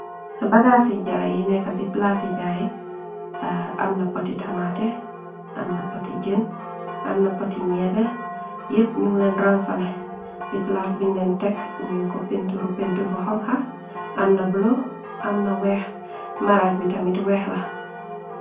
bagaa ci jaay yi nekka ci plaasi jaay aa amna poti tamaate, amna poti jen amna poti ñeebe, yépp njun lehn ransale, ci plaas bungh lehn tekk njung ko peintur peintur bu honka, amna bleu, amna weex, maraaj bi tamit weex la.